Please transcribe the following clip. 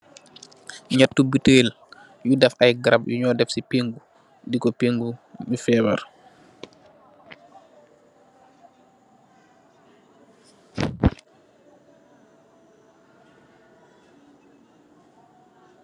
Nyaati botel yu daf ay garaab yu nyoy daf si pengo di ko pengoo nyu febaar.